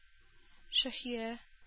Шаһия